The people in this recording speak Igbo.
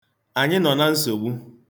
Anyị nọ na nsogbu.